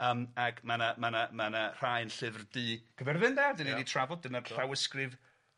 yym ag ma' 'na ma' 'na ma' 'na rhai yn llyfr du Cyfyrddin 'de 'dan ni di trafod dyna'r llawysgrif